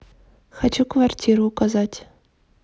хочу квартиру указать